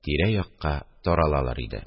Тирә-якка таралалар иде